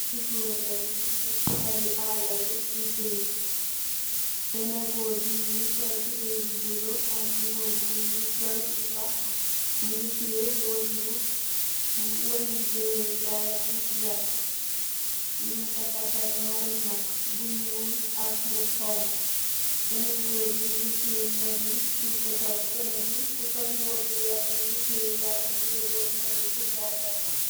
Nëtti gòor la, nung ci bori ala bi di baye. Benna gòor bi mungi sol tubeye bu bulo ak mbubba bu ñuul, mungi sol mbahana, mungi té wënn bu, wënni bayekaay bu vert. Nung fa takka naari naag bu ñuul ak bu honku. Benen gòor bi mungi tè naag yi diko toppu. Kenen ki ku sol mbuba bu weeh mungi tè yar mu ngè dorr naag yi purr gay dem.